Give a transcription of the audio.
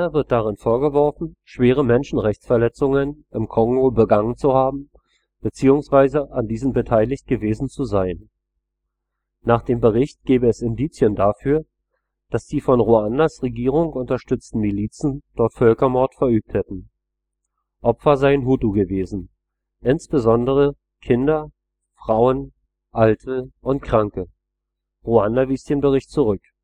wird darin vorgeworfen, schwere Menschenrechtsverletzungen im Kongo begangen zu haben bzw. an diesen beteiligt gewesen zu sein. Nach dem Bericht gebe es Indizien dafür, dass die von Ruandas Regierung unterstützen Milizen dort Völkermord verübt hätten. Opfer seien Hutu gewesen, insbesondere Kinder, Frauen, Alte und Kranke. Ruanda wies den Bericht zurück